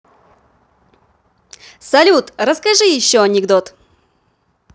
салют расскажи еще анекдот